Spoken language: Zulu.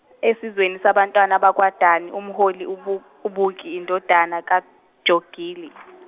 esizweni sabantwana bakwaDani umholi uBuk- uBuki indodana kaJogili .